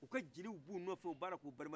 u ka jeliw b'u nɔfɛ u bala k' u balima